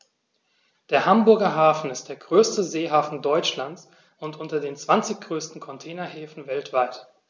Der Hamburger Hafen ist der größte Seehafen Deutschlands und unter den zwanzig größten Containerhäfen weltweit.